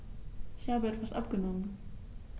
Ich habe etwas abgenommen.